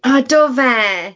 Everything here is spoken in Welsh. A do fe!